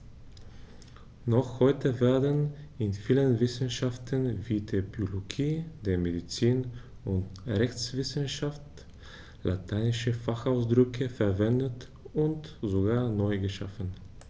Noch heute werden in vielen Wissenschaften wie der Biologie, der Medizin und der Rechtswissenschaft lateinische Fachausdrücke verwendet und sogar neu geschaffen.